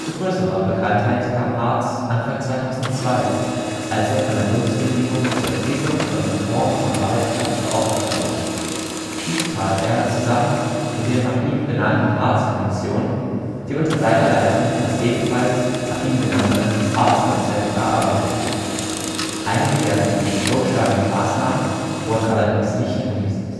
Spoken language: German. größerer Bekanntheit kam Hartz Anfang 2002, als er von der Bundesregierung zur Entwicklung von Reformen am Arbeitsmarkt beauftragt wurde. Dies tat er zusammen mit der nach ihm benannten Hartz-Kommission, die unter seiner Leitung das ebenfalls nach ihm benannte Hartz-Konzept erarbeitet hat. Einige der von ihm vorgeschlagenen Maßnahmen wurden allerdings nicht umgesetzt